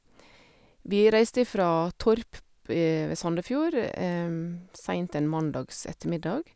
Vi reiste ifra Torp p ved Sandefjord seint en mandags ettermiddag.